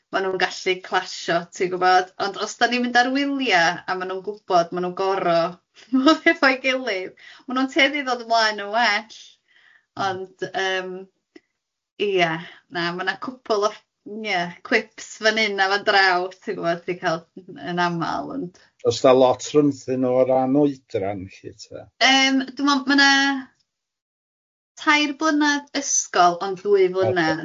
ma' nhw'n gallu clasio ti'n gwybod, ond os dan ni'n mynd ar wylia a ma nhw'n gwbod ma' nhw'n goro bod efo'i gilydd ma nhw'n tueddu i ddod ymlaen yn well, ond yym ia na ma na cwpwl o ff- ia quips fan hyn a fan draw ti'n gwybod ti'n cael yn aml ond... Os na lot rhyngthyn nhw o ran oedran lly ta? ...yym dwi'n meddwl ma' na tair blynedd ysgol ond ddwy flynedd.